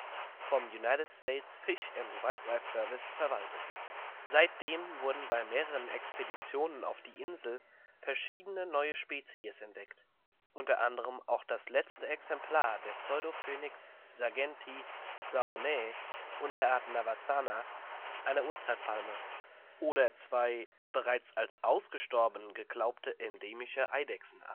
vom United States Fish and Wildlife Service verwaltet. Seitdem wurden bei mehreren Expeditionen auf die Insel verschiedene neue Spezies entdeckt, u. a. auch das letzte Exemplar der Pseudophoenix sargentii saonae (Unterart: navassana) einer Urzeitpalme oder zwei bereits als ausgestorben geglaubte endemische Eidechsen-Arten